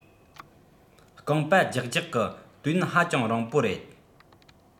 རྐང པ རྒྱག རྒྱག གི དུས ཡུན ཧ ཅང རིང པོ རེད